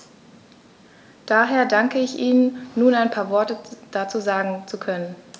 Daher danke ich Ihnen, nun ein paar Worte dazu sagen zu können.